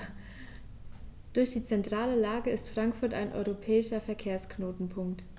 Durch die zentrale Lage ist Frankfurt ein europäischer Verkehrsknotenpunkt.